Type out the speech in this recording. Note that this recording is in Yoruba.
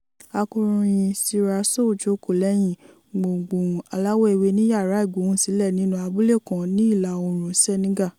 Akọ̀ròyìn Sira Sow jókòó lẹ́hìn gbohùgbohùn aláwọ̀ ewé ní yàrá ìgbohùnsílẹ̀ nínú abúlé kan ní ìlà-oòrùn Senegal.